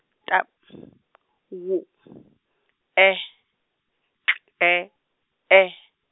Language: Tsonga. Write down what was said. T W E K E E.